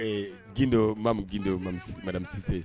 Gindo mamu gindo maramisise